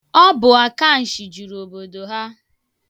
Ọ bụ akanshị juru obodo ha.